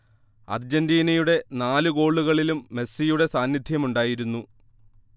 അർജന്റീനയുടെ നാല് ഗോളുകളിലും മെസ്സിയുടെ സാന്നിധ്യമുണ്ടായിരുന്നു